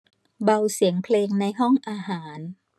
เบาเสียงเพลงในห้องอาหาร